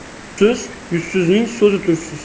yuzsiz yuzsizning so'zi tuzsiz